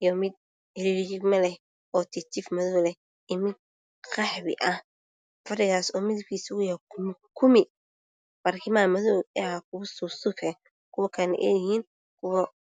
iyo mid riigriigmo leh oo Tiftif madow leh iyo mid Qaxwe ah Fadhigaasow midibkiisa yahay Baluug Kuni Barkamaha madow kuwa Suufsuuf ah kuwa kale ay yihin budo